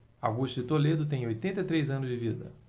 augusto de toledo tem oitenta e três anos de vida